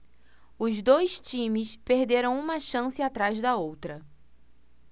os dois times perderam uma chance atrás da outra